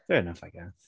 Fair enough, I guess.